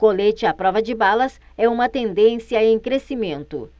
colete à prova de balas é uma tendência em crescimento